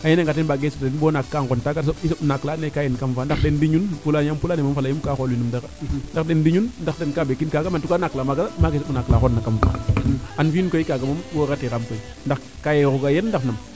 a yena nga teen mbaage suta den bo naaka ngon taaga i soɓ naak la mais kaa yen kam faa ndax den ndiñun wla pulaane moom fa; leyum kaa xool winum dara ndax den diñun ndax ka ɓekin ka naak la maaga i soɓu naak laa xona kam faa an fi un koy kaaga moom woora tiraam ndax kaa yerogu a yen ndax nam